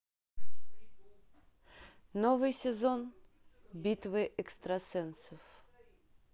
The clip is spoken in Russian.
новый сезон битвы экстрасенсов